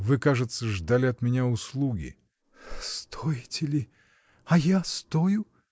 Вы, кажется, ждали от меня услуги? — Стоите ли! А я стою?